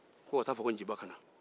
ko ka taa fɔ ko fɔ ko nciba ka na